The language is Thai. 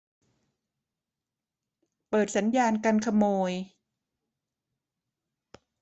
เปิดสัญญาณกันขโมย